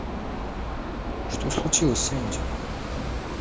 что случилось с энди